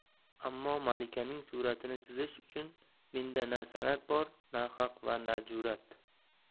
ammo malikaning suratini chizish uchun menda na sanat bor na haq va na jurat